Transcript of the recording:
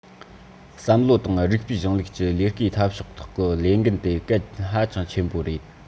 བསམ བློ དང རིགས པའི གཞུང ལུགས ཀྱི ལས ཀའི འཐབ ཕྱོགས ཐོག གི ལས འགན དེ གལ ཧ ཅང ཆེན པོ རེད